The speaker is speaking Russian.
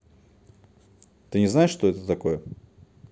ты не знаешь что это такое